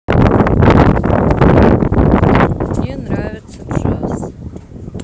мне нравится джаз